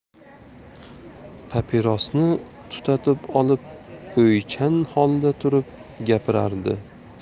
papirosni tutatib olib o'ychan holda turib gapirardi